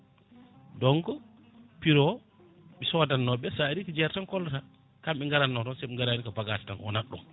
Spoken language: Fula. donc pirowo sodannoɓe sa ari ko jeere tan kollata kamɓe garanno soɓe garani ko bagage tan wonata ɗon